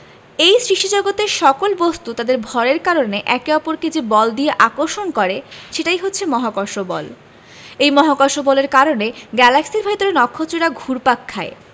এই সৃষ্টিজগতের সকল বস্তু তাদের ভরের কারণে একে অপরকে যে বল দিয়ে আকর্ষণ করে সেটাই হচ্ছে মহাকর্ষ বল এই মহাকর্ষ বলের কারণে গ্যালাক্সির ভেতরে নক্ষত্ররা ঘুরপাক খায়